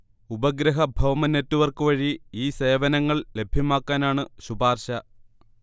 ഉപഗ്രഹ ഭൗമ നെറ്റ്വർക്ക് വഴി ഈ സേവനങ്ങൾ ലഭ്യമാക്കാനാണു ശുപാർശ